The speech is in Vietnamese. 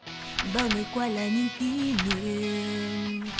bao ngày qua là những kỉ kỉ niệm